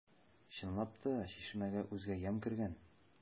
Чынлап та, чишмәгә үзгә ямь кергән.